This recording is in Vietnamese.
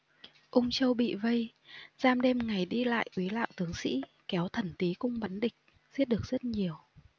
ung châu bị vây giam đêm ngày đi lại úy lạo tướng sĩ kéo thần tý cung bắn địch giết được rất nhiều